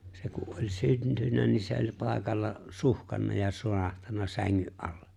se kun oli syntynyt niin se oli paikalla suhkannut ja surahtanut sängyn alle